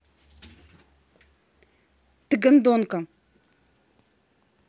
ты гондонка